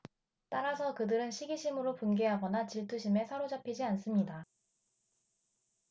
따라서 그들은 시기심으로 분개하거나 질투심에 사로잡히지 않습니다